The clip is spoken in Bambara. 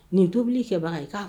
Nin ye tobili kɛbaga ye k'a